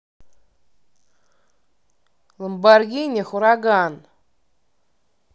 lamborghini хураган